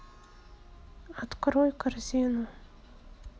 открой корзину